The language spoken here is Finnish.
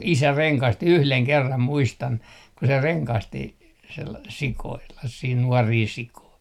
isä rengasti yhden kerran muistan kun se rengasti - sioilla siinä nuoria sikoja